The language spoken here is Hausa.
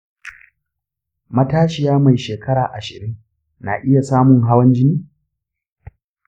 matashiya mai shekara ashirin na iya samun hawan jini?